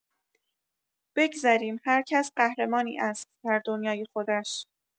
بگذریم، هرکس قهرمانی است در دنیای خودش.